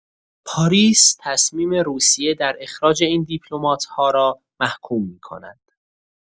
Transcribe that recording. پاریس تصمیم روسیه در اخراج این دیپلمات‌ها را محکوم می‌کند.